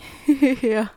Ja.